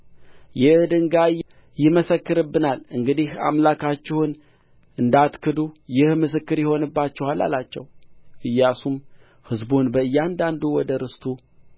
ይህ ድንጋይ ይመሰክርብናል እንግዲህ አምላካችሁን እንዳትክዱ ይህ ምስክር ይሆንባችኋል አላቸው ኢያሱም ሕዝቡን በእያንዳንዱ ወደ ርስቱ